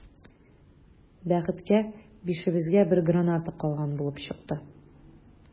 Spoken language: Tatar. Бәхеткә, бишебезгә бер граната калган булып чыкты.